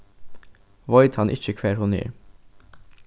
veit hann ikki hvar hon er